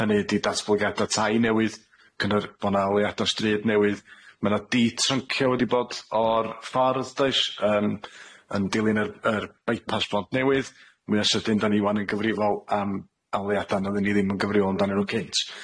Hynny ydi datblygiada tai newydd, cyn yr bo' 'na oleuada stryd newydd. Ma' 'na di tryncio wedi bod o'r ffordd does, yym yn dilyn yr yr bypass Bont Newydd mwya sydyn da ni ŵan yn gyfrifol am oleuada nad o'n i ddim yn gyfrifol amdanyn nw cynt.